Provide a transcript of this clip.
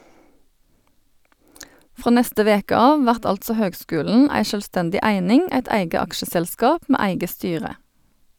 Frå neste veke av vert altså høgskulen ei sjølvstendig eining, eit eige aksjeselskap med eige styre.